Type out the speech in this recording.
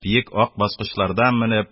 Биек ак баскычлардан менеп,